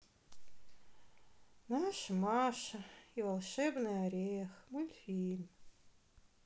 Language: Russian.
наша маша и волшебный орех мультфильм